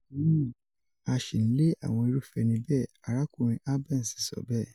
Nitori naa a ṣi n le awọn irufẹ ẹni bẹẹ,” Arakunrin Albence sọ bẹẹ.